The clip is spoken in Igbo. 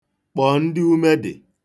Kpọọ ndị ume dị.